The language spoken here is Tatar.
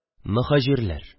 Мөһаҗирләр